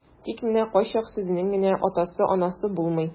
Тик менә кайчак сүзенең генә атасы-анасы булмый.